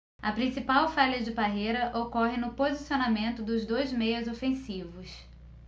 a principal falha de parreira ocorre no posicionamento dos dois meias ofensivos